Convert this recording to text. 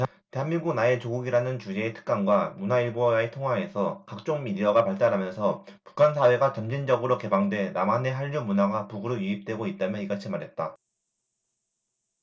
대한민국 나의 조국이라는 주제의 특강과 문화일보와의 통화에서 각종 미디어가 발달하면서 북한 사회가 점진적으로 개방돼 남한의 한류 문화가 북으로 유입되고 있다며 이같이 말했다